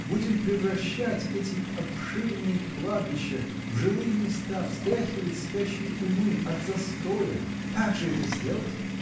Будем превращать эти обширные кладбища в жилые места, встряхивать спящие умы от застоя! — Как же это сделать?